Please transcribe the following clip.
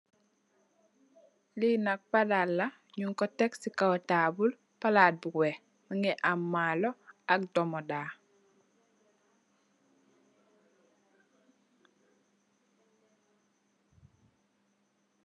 Li nak palat la ñing ko tek ci kaw tabull, palat bu wèèx mugii am maalo ak domoda.